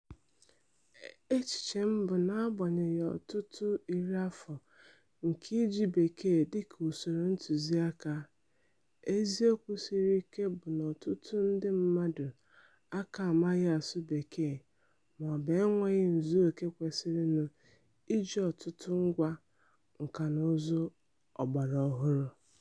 Echiche m bụ na n'agbanyeghị ọtụtụ iri afọ nke iji Bekee dị ka usoro ntụziaka, eziokwu siri ike bụ na ọtụtụ nde mmadụ aka maghị asụ Bekee maọbụ enweghị nzuoke kwesịrị nụ iji ọtụtụ ngwá nkànaụzụ ọgbaraọhụrụ.